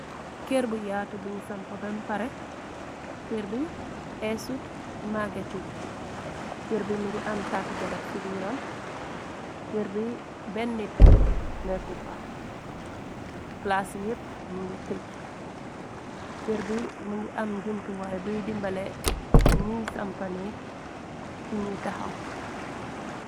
Kër bu yaatu buñ sampa bem pare kër bi esut maggetut kër bi m ngi am taati garab ci biiram kër bi ben nit nekku fa plaas yépp ñu ngi tëcc kër bi më ngi am njumtuwaaye buy dimbale ñuy sampaneeg fu ñuy taxaw.